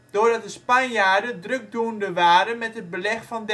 doordat de Spanjaarden druk doende waren met het Beleg van